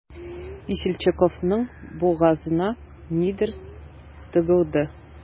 Весельчаковның бугазына нидер тыгылды.